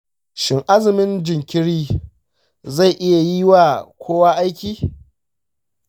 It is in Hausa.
shin azumin jinkiri zai iya yi wa kowa aiki?